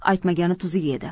aytmagani tuzuk edi